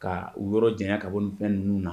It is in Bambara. Ka u yɔrɔ jan ka bolo fɛn ninnu na